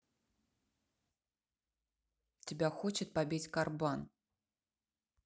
тебя хочет побить корбан